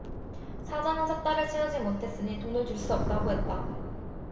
사장은 석 달을 채우지 못했으니 돈을 줄 수 없다고 했다